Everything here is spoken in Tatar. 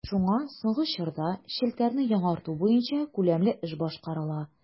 Шуңа соңгы чорда челтәрне яңарту буенча күләмле эш башкарыла.